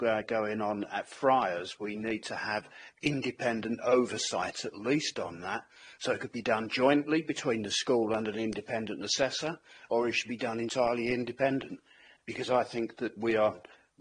going on at Fryars we need to have independent oversight at least on that so it could be done jointly between the school and an independent assessor or it should be done entirely independent because I think that we are,